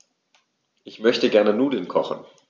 Ich möchte gerne Nudeln kochen.